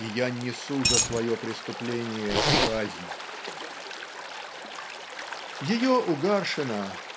и я несу за свое преступление казнь". Ее у Гаршина